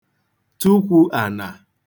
tukwu ànà